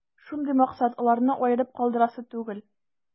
Шундый максат: аларны аерып калдырасы түгел.